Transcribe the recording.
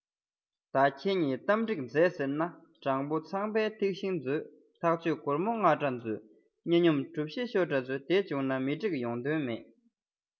ད ཁྱེད གཉིས གཏམ འགྲིག མཛད ཟེར ན དྲང པོ ཚངས པའི ཐིག ཤིང མཛོད ཐག ཆོད སྒོར མོ རྔ འདྲ མཛོད ཉེ སྙོམ གྲུ བཞི ཤོ འདྲ མཛོད དེ བྱུང ན མི འགྲིག ཡོང དོན མེད